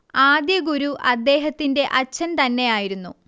ആദ്യ ഗുരു അദ്ദേഹത്തിന്റെ അച്ഛൻ തന്നെയായിരുന്നു